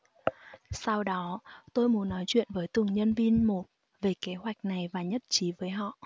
sau đó tôi muốn nói chuyện với từng nhân viên một về kế hoạch này và nhất trí với họ